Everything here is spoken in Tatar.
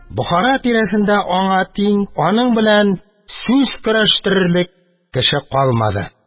Бохара тирәсендә аңа тиң, аның белән сүз көрәштерерлек кеше калмады.